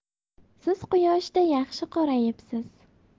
siz quyoshda yaxshi qorayibsiz